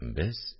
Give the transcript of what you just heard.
Без